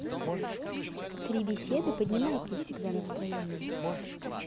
три беседы поднимают мне всегда настроение